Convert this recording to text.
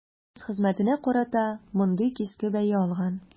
Үз хезмәтенә карата мондый кискен бәя алган.